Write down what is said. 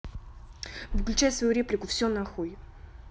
выключай свою реплику все нахуй